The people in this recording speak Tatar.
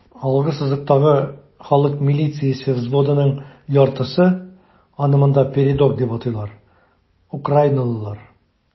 Алгы сызыктагы халык милициясе взводының яртысы (аны монда "передок" дип атыйлар) - украиналылар.